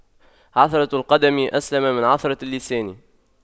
عثرة القدم أسلم من عثرة اللسان